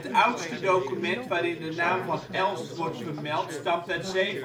oudste document waarin de naam van Elst wordt vermeld stamt uit 726